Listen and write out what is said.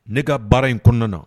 Ne ka baara in kɔnɔna na